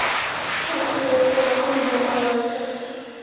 хор турецкого тум балалайка